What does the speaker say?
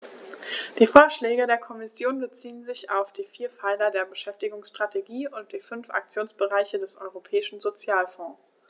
Die Vorschläge der Kommission beziehen sich auf die vier Pfeiler der Beschäftigungsstrategie und die fünf Aktionsbereiche des Europäischen Sozialfonds.